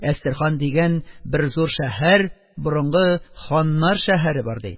Әстерхан дигән бер зур шәһәр - борынгы ханнар шәһәре бар, ди,